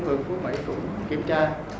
kiểm tra